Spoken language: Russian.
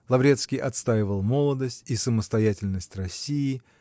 Лаврецкий отстаивал молодость и самостоятельность России